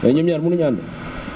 mais ñoom ñaar mënuñoo ànd